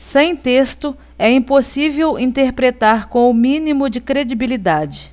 sem texto é impossível interpretar com o mínimo de credibilidade